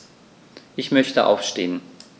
Ich möchte aufstehen.